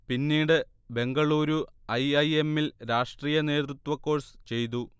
പിന്നീട് Bengaluru I. I. എമ്മിൽ രാഷ്ട്രീയ നേതൃത്വ കോഴ്സ് ചെയ്തു